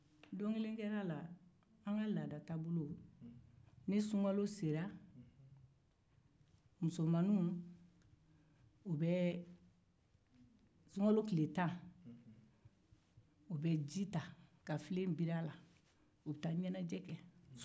an ka laada la ni sunkalo sera tile tan ma musomannin bɛ ji ta ka filen biri o sanfɛ ka taa ɲɛnajɛ kɛ